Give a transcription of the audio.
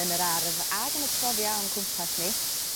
yn yr ardd ag yn y cloddia o'n cwmpas ni